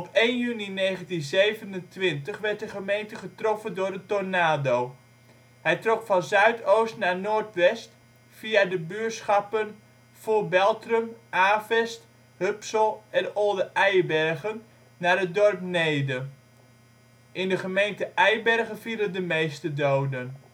1 juni 1927 werd de gemeente getroffen door een tornado. Hij trok van zuidoost naar noordwest, via de buurschappen Voor-Beltrum, Avest, Hupsel en Olden Eibergen naar het dorp Neede. In de gemeente Eibergen vielen de meeste doden